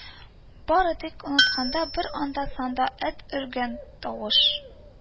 Бары тик онытканда бер анда-санда эт өргән тавыш